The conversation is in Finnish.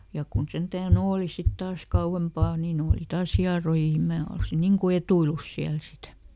ja kun sentään oli sitten taas kauempaa niin oli taas hierojia niin minä olisin niin kuin etuillut siellä sitä